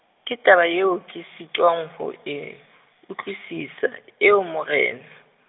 ke taba eo ke sitwang ho e, utlwisisa eo Morena.